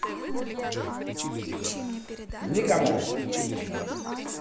некому